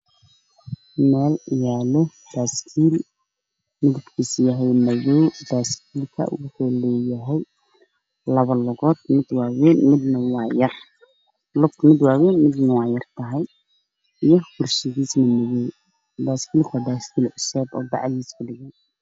Meeshaan waxaa yaalo baaskiil midabkiisu waa madow waxuu leeyahay labo lugood mid waaweyn midna waa yar tahay kursigiisu waa madow waana baaskiil cusub.